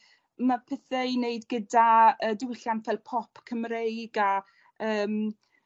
ma' pethe i neud gyda yy diwylliant fel pop Cymreig a yym